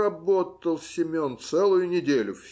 Работал Семен целую неделю